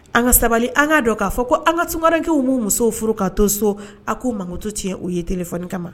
An ka sabali an ka dɔn k'a fɔ ko an ka tunkararenkɛw' musow furu k'a to so a ko makutu tiɲɛ o ye t fɔ kama